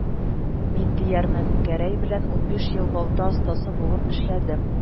Мин, диярмен, Гәрәй белән унбиш ел балта остасы булып эшләдем